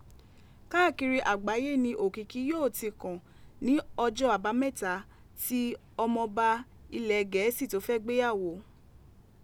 Kaakiri agbaye ni okiki yoo ti kan ni ọjọ abamẹta ti Ọmọọba ilẹ̀ Gẹ̀ẹ́sì tó fẹ́ gbéyàwó.